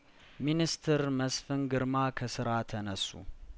ሚኒስትር መስፍን ግርማ ከስራ ተነሱ